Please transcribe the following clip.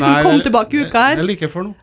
nei det er det er like før nå.